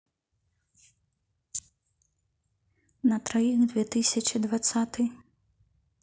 на троих две тысячи двадцатый